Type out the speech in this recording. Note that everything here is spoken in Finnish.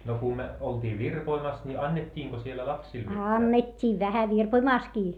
no kun oltiin virpomassa niin annettiinko siellä lapsille mitään